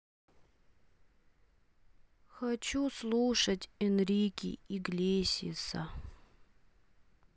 хочу слушать энрике иглесиаса